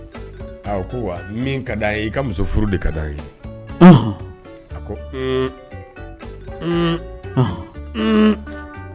Ko wa min ka d'a ye i ka muso furu de ka d'a ye ko